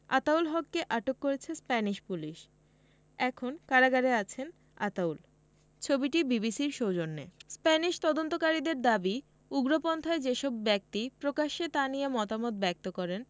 আতাউল হককে আটক করেছে স্প্যানিশ পুলিশ এখন কারাগারে আছেন আতাউল ছবিটি বিবিসির সৌজন্যে স্প্যানিশ তদন্তকারীদের দাবি উগ্রপন্থায় যেসব ব্যক্তি প্রকাশ্যে তা নিয়ে মতামত ব্যক্ত করেন